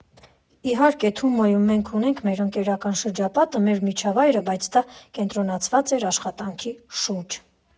Իհարկե, Թումոյում մենք ունեինք մեր ընկերական շրջապատը, մեր միջավայրը, բայց դա կենտրոնացած էր աշխատանքի շուրջ։